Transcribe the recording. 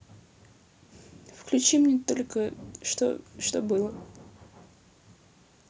включи мне только что что было